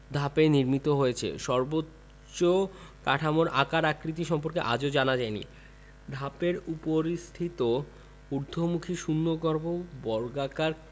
ধাপে নির্মিত হয়েছে সর্বোচ্চ কাঠামোর আকার আকৃতি সম্পর্কে আজও জানা যায় নি ধাপের উপরিস্থিত ঊর্ধ্বমুখী শূন্যগর্ভ বর্গাকার